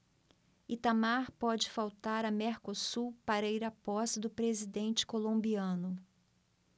itamar pode faltar a mercosul para ir à posse do presidente colombiano